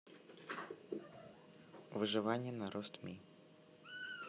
выживание на рост ми